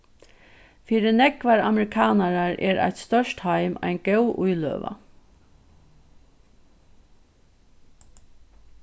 fyri nógvar amerikanarar er eitt stórt heim ein góð íløga